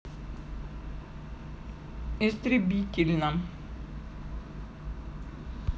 истребительно